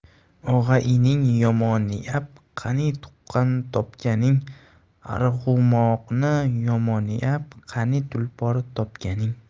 og'a ining yomoniab qani tuqqan topganing arg'umoqni yomoniab qani tulpor topganing